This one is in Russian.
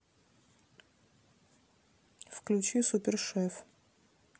включи супер шеф